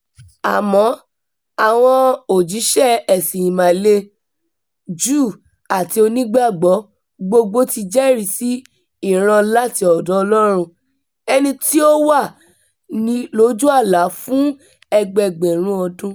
Àmọ́ àwọn òjíṣẹ́ ẹ̀sìn Ìmàle, Júù àti Onígbàgbọ́ gbogboó ti jẹ́rìí sí ìran láti ọ̀dọ̀ Ọlọ́run ent tí ó wá lójú àlá fún ẹgbẹẹgbẹ̀rún ọdún.